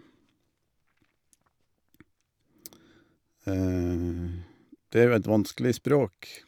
Det er jo et vanskelig språk.